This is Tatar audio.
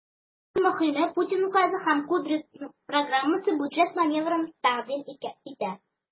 Иң мөһиме, Путин указы һәм Кудрин программасы бюджет маневрын тәкъдим итә.